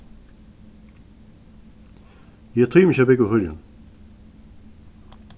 eg tími ikki at búgva í føroyum